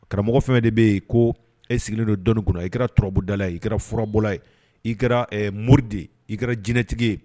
Karamɔgɔ fɛn de bɛ yen ko e sigilen don dɔnni kunna i kɛra turabudala ye i kɛra furabɔla ye i kɛra mori de i kɛra jtigi ye